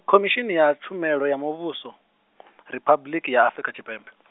Khomishini ya Tshumelo ya Muvhuso Riphabuḽiki ya Afrika Tshipembe.